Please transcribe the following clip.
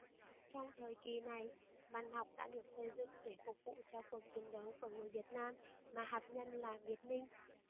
trong thời kỳ này văn học đã được xây dựng để phục vụ cho cuộc chiến đấu của người việt nam mà hạt nhân là việt minh